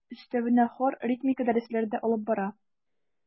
Өстәвенә хор, ритмика дәресләре дә алып бара.